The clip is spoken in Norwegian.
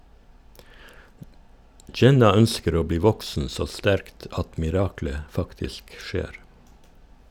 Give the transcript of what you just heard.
Jenna ønsker å bli voksen så sterkt at miraklet faktisk skjer.